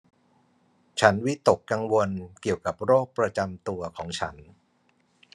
ฉันวิตกกังวลเกี่ยวกับโรคประจำตัวของฉัน